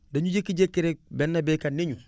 dañu jékki-jékki rek benn baykat ne ñu